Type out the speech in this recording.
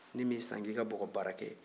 ne m'i san n ko i ka bɔgɔbaara kɛ